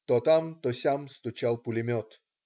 То там, то сям стучал пулемет.